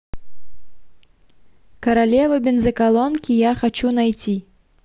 королева бензоколонки я хочу найти